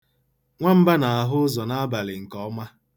Nwamba na-ahụ ụzọ n'abalị nke ọma.